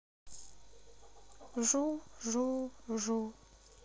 жу жу жу